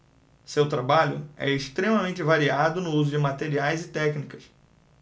seu trabalho é extremamente variado no uso de materiais e técnicas